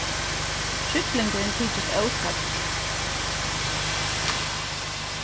sjúklingurin tykist óskaddur